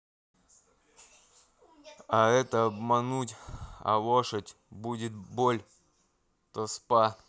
а это обмануть а лошадь будет боль то spa